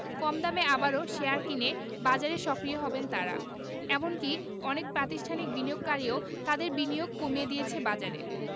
কম দামে আবারও শেয়ার কিনে বাজারে সক্রিয় হবেন তাঁরা এমনকি অনেক প্রাতিষ্ঠানিক বিনিয়োগকারীও তাদের বিনিয়োগ কমিয়ে দিয়েছে বাজারে